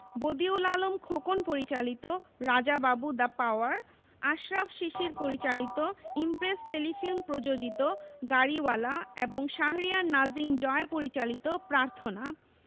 বদিউল আলম খোকন পরিচালিত Raja Babu the power Ashraf Shishir পরিচালিত Impress Telefilm প্রযোজিত গাড়িওয়ালা এবং শাহরিয়ার নাজিম জয় পরিচালিত প্রার্থনা